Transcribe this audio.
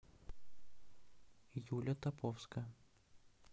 юля топовская